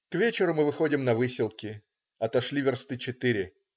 К вечеру мы выходим за Выселки. Отошли версты четыре.